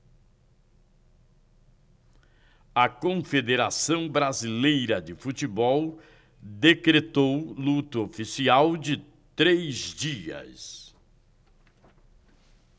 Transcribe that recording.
a confederação brasileira de futebol decretou luto oficial de três dias